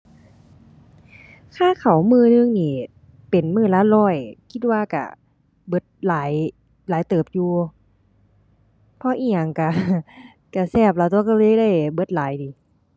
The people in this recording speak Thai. ค่าข้าวมื้อหนึ่งนี่เป็นมื้อละร้อย คิดว่าก็เบิดหลาย หลายเติบอยู่ เพราะอิหยังก็ ก็แซ่บล่ะตั่ว ก็เลยได้เบิดหลายหนิ